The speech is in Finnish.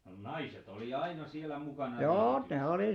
no naiset oli aina siellä mukana riihityössä